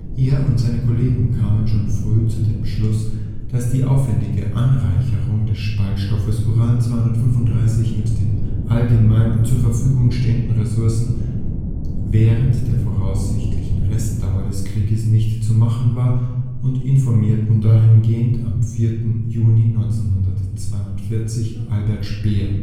Er und seine Kollegen kamen schon früh zu dem Schluss, dass die aufwändige Anreicherung des Spaltstoffes Uran 235 mit den allgemein zur Verfügung stehenden Ressourcen während der voraussichtlichen Restdauer des Krieges nicht zu machen war, und informierten dahingehend am 4. Juni 1942 Albert Speer